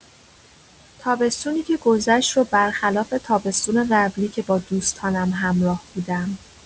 تابستونی که گذشت رو بر خلاف تابستون قبلی که با دوستانم همراه بودم.